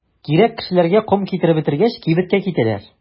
Кирәк кешеләргә ком китереп бетергәч, кибеткә китәләр.